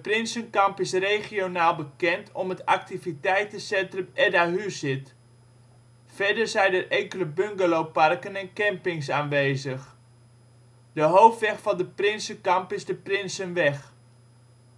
Prinsenkamp is regionaal bekend om het activiteitencentrum " Edda Huzid ". Verder zijn er enkele bungalowparken en campings aanwezig. De hoofdweg van de Prinsenkamp is de Prinsenweg.